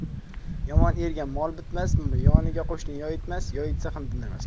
yomon erga mol bitsa yoniga qo'shni yoiatmas yoiatsa ham tindirmas